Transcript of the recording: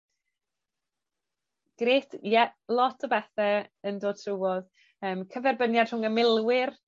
Grêt, ie, lot o bethe yn dod trwodd. Yym cyferbyniad rhwng y milwyr